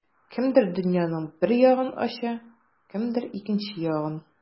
Кемдер дөньяның бер ягын ача, кемдер икенче ягын.